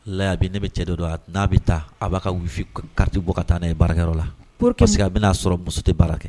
La bi ne bɛ cɛ de don a n'a bɛ taa a b'a ka wufin kariti bɔ ka taa n' ye baarakɛyɔrɔ la koɔri se a bɛna'a sɔrɔ muso tɛ baara kɛ